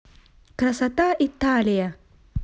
красота италия